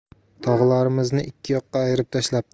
mana tog'larimizni ikki yoqqa ayirib tashlabdi